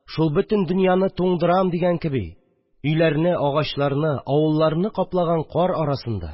Шул, бөтен дөньяны туңдырам дигән кеби, өйларны, агачларны, авылларны каплаган кар арасында